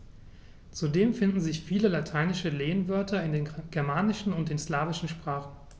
Zudem finden sich viele lateinische Lehnwörter in den germanischen und den slawischen Sprachen.